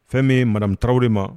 Fɛn min ye madame Tarawele ma